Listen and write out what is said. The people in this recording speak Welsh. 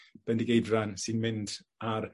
Bendigeidfran sy'n mynd â'r